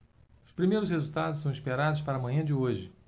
os primeiros resultados são esperados para a manhã de hoje